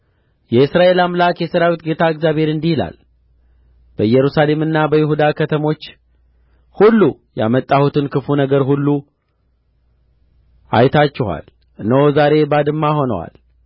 የእስራኤል አምላክ የሠራዊት ጌታ እግዚአብሔር እንዲህ ይላል በኢየሩሳሌምና በይሁዳ ከተሞች ሁሉ ያመጣሁትን ክፉ ነገር ሁሉ አይታችኋል እነሆ ዛሬ ባድማ ሆነዋል